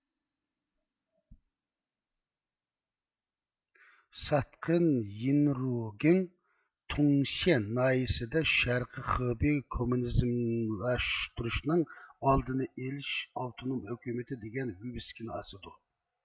ساتقىن يىنرۇگېڭ تۇڭشيەن ناھىيىسىدە شەرقىي خېبېي كوممۇنىزملاشتۇرۇشنىڭ ئالدىنى ئېلىش ئاپتونوم ھۆكۈمىتى دېگەن ۋىۋىسكىنى ئاسىدۇ